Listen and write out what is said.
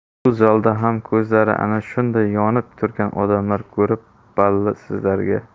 shu zalda ham ko'zlari ana shunday yonib turgan odamlarni ko'rib balli sizlarga